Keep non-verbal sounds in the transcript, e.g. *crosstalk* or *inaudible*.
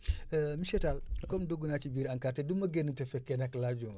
*inhales* *hesitation* monsieur Tall comme dugg naa ci biir ANCAR te du ma génn te fekkee nag laajuma